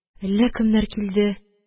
Әллә кемнәр килде